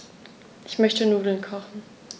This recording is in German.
Ich möchte Nudeln kochen.